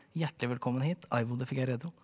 hjertelig velkommen hit Ivo de Figueiredo.